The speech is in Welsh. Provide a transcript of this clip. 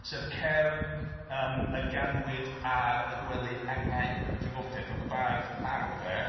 ..Sef cerdd yym y ganwyd ar y gwely angau. Oedd yn draddodiad pan oedd y bardd yn marw 'de.